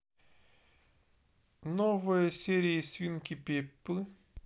новые серии свинки пеппы